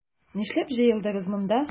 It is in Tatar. Нишләп җыелдыгыз монда?